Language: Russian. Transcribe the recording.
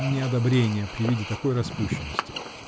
неодобрения при виде такой распущенности!